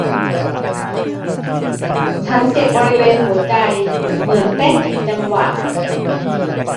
ฉันเจ็บบริเวณหัวใจเหมือนเต้นผิดจังหวะ